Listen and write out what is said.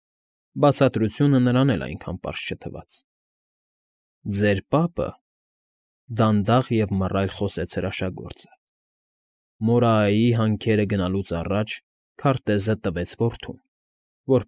Բացատրությունը նրան էլ այնքան պարզ չթվաց։ ֊ Ձեր պապը,֊ դանդաղ և մռայլ խոսեց հրաշագործը,֊ Մորայայի հանքերը գնալուց առաջ քարտեզը տվեց որդուն, որ։